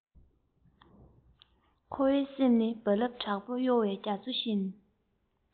ཁོ བོའི སེམས ནི རྦ རླབས དྲག པོ གཡོ བའི རྒྱ མཚོ བཞིན